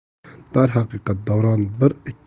darhaqiqat davron bir ikki